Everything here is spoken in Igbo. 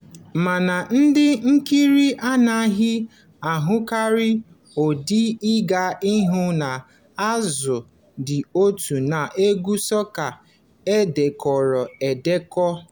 Mana ndị nkiri anaghị ahụkarị ụdị ịga ihu na azụ dị otu a n'egwu sọka e dekọrọ edekọ.